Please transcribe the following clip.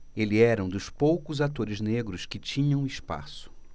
ele era um dos poucos atores negros que tinham espaço